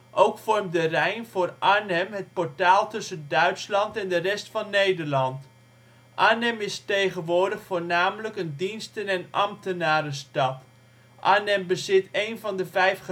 Ook vormt de Rijn voor Arnhem het portaal tussen Duitsland en de rest van Nederland. Arnhem is tegenwoordig voornamelijk een diensten - en ambtenarenstad. Arnhem bezit een van de vijf